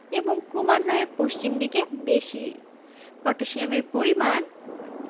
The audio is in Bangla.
এবং ক্রমান্বয়ে পশ্চিম দিকে বেশি পটাসিয়ামের পরিমাণ